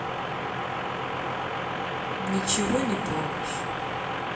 ничего не помощь